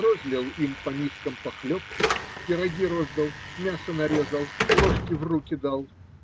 розлил им по мискам похлебку, пироги роздал, мясо нарезал, ложки в руки дал.